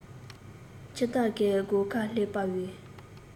འཆི བདག གི སྒོ ཁར སླེབས པའི